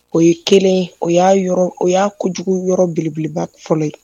O ye kelen o y'a yɔrɔ o y'a ko kojugu yɔrɔ belebeleba fɔlɔ ye